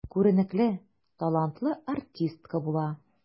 Күренекле, талантлы артистка була.